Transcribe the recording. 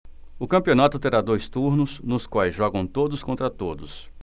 o campeonato terá dois turnos nos quais jogam todos contra todos